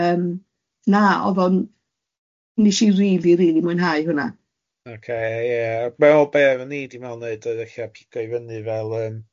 Yym na oedd o'n wnes i rili rili mwynhau hwnna. Ok ia fel be o ni di feddwl neud odd ella pigo fyny fel yym